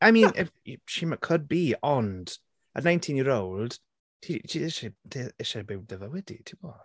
I mean could be ond a nineteen year old ti eisiau byw dy fywyd di tibod?